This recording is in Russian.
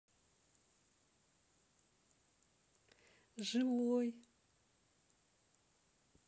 живой